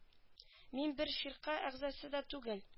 Мин бер фирка әгъзасы да түгел